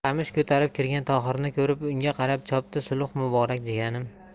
qamish ko'tarib kirgan tohirni ko'rib unga qarab chopdi sulh muborak jiyanim